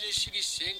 I sigi senk